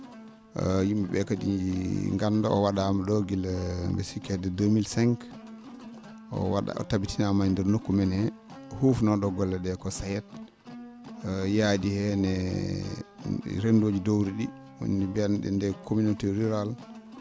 yim?e ?ee kadi ngannda o wa?aama ?oo gila mbi?a sikki hedde 2005 o wa?aa o tabitinaama e ndeer nokku men hee hufnoo?o golle ?ee ko SAED yaadi heen e renndooji dowri ?ii woni ?i mbiyatno?en ?ii communauté rural